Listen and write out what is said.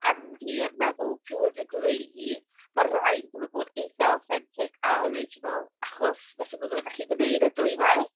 A dwi yn meddwl to a degree mae'n rhaid iddo fe fod eitha authentic a original achos fysen nhw ddim yn gallu gwneud e dwywaith.